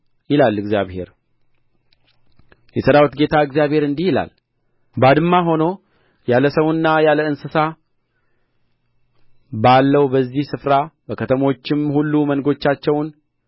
ይላል እግዚአብሔር የሠራዊት ጌታ እግዚአብሔር እንዲህ ይላል ባድማ ሆኖ ያለ ሰውና ያለ እንስሳ ባለው በዚህ ስፍራ በከተሞችም ሁሉ መንጎቻቸውን